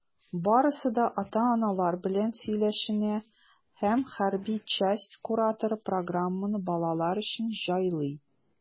Барысы да ата-аналар белән сөйләшенә, һәм хәрби часть кураторы программаны балалар өчен җайлый.